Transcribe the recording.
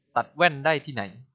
ตัดแว่นได้ที่ไหน